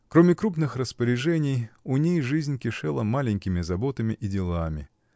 Кроме крупных распоряжений, у ней жизнь кишела маленькими заботами и делами.